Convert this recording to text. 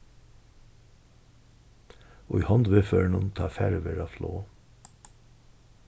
í hondviðførinum tá farið verður á flog